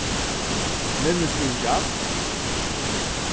minnist tú ikki alt